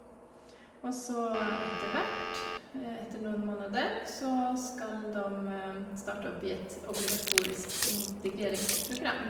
Og så etter hvert, etter noen måneder, så skal dem starte opp i et obligatorisk integreringsprogram.